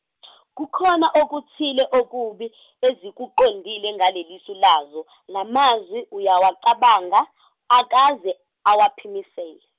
kukhona okuthile okubi ezikuqondile ngalelisu lazo, lamazwi uyawacabanga, akaze awaphimisele.